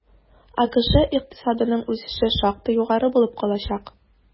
АКШ икътисадының үсеше шактый югары булып калачак.